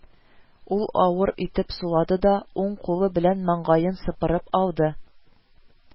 Ул авыр итеп сулады да уң кулы белән маңгаен сыпырып алды